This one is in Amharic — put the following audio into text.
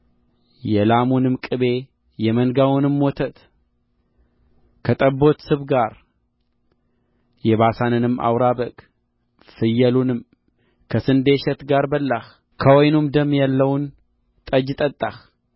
የላሙንም ቅቤ የመንጋውም ወተት ከጠቦት ስብ ጋር የባሳንንም አውራ በግ ፍየሉንም ከስንዴ እሸት ጋር በላህ ከወይኑም ደም ያለውን ጠጅ ጠጣህ